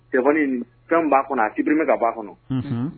Téléphone in fɛn b'a kɔnɔ a supprimé ka bɔ a kɔnɔ